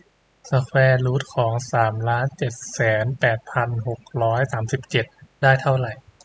สแควร์รูทของสามล้านเจ็ดแสนแปดพันหกร้อยสามสิบเจ็ดได้เท่าไหร่